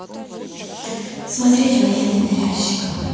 смотреть военный ныряльщик